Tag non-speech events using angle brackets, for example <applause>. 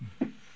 <hesitation> <hesitation>